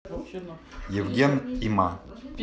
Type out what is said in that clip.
евген и ма